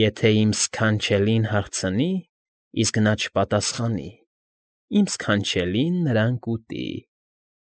Եթե իմ ս֊ս֊սքանչելին հարցնի, իսկ նա չպատասխանի, իմ ս֊ս֊ս֊քանչելին նրան կուտի։